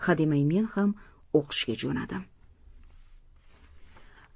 hademay men ham o'qishga jo'nadim